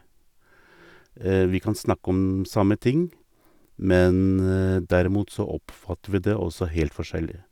Vi kan snakke om samme ting, men derimot så oppfatter vi det også helt forskjellig.